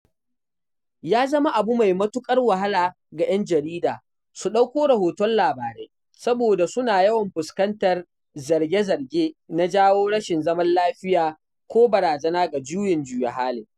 Ya zama abu mai matuƙar wahala ga 'yan jarida su ɗauko rahoton labarai saboda suna yawan fuskantar zarge-zarge na "jawo rashin zaman lafiya" ko "barazana ga juyin juya halin."